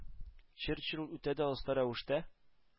Черчилль үтә дә оста рәвештә